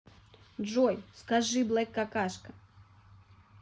джой скажи black какашка